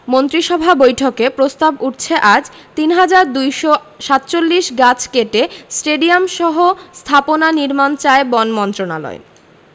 মন্ত্রিসভা বৈঠকে প্রস্তাব উঠছে আজ ৩২৪৭ গাছ কেটে স্টেডিয়ামসহ স্থাপনা নির্মাণ চায় বন মন্ত্রণালয়